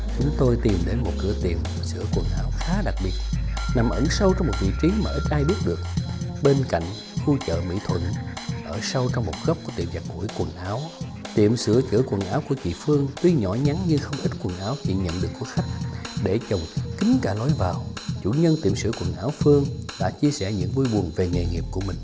chúng tôi tìm đến một cửa tiệm sửa quần áo khá đặc biệt nằm ẩn sâu trong một vị trí mà ít ai biết được bên cạnh khu chợ mĩ thuận ở sâu trong một góc của tiệm giặt ủi quần áo tiệm sửa chữa quần áo của chị phương tuy nhỏ nhắn nhưng không ít quần áo chị nhận được của khách để chồng kín cả lối vào chủ nhân tiệm sửa quần áo phương đã chia sẻ những vui buồn về nghề nghiệp của mừn